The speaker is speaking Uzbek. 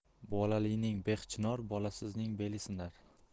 bolalining beh chinor bolasizning beli sinar